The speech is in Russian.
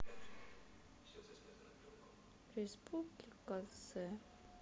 республика z